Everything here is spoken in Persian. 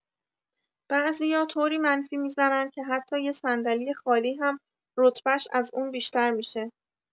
بعضیا طوری منفی می‌زنن که حتی یه صندلی خالی هم رتبش از اون بیشتر می‌شه!